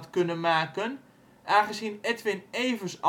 kunnen maken, aangezien Edwin Evers